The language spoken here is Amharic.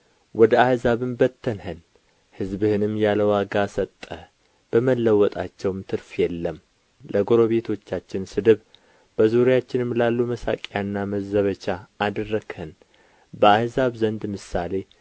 ወደ አሕዛብም በተንኸን ሕዝብህን ያለ ዋጋ ሰጠህ በመለወጣቸውም ትርፍ የለም ለጎረቤቶቻችን ስድብ በዙሪያችንም ላሉ መሣቂያና መዘበቻ አደረግኸን በአሕዛብ ዘንድ ምሳሌ